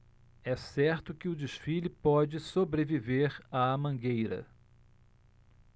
é certo que o desfile pode sobreviver à mangueira